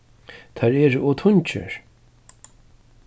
teir eru ov tungir